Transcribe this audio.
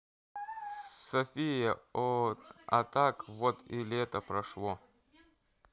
софия а так вот и лето прошло